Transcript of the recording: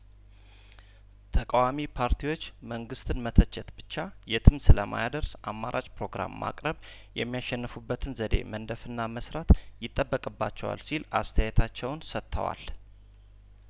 ተቃዋሚ ፓርቲዎች መንግስትን መተቸት ብቻ የትም ስለማያደርስ አማራጭ ፕሮግራም ማቅረብ የሚያሸንፉበትን ዘዴ መንደፍና መስራት ይጠበቅባቸዋል ሲል አስተያየታቸውን ሰጥተዋል